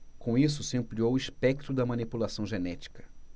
com isso se ampliou o espectro da manipulação genética